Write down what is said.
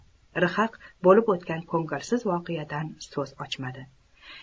rhaq bo'lib o'tgan ko'ngilsiz voqeadan so'z ochmadi